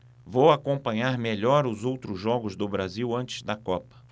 vou acompanhar melhor os outros jogos do brasil antes da copa